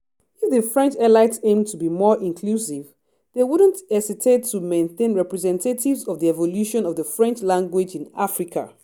If the French elites aimed to be more inclusive, they wouldn't hesitate to maintain representatives of the evolution of the French language in Africa.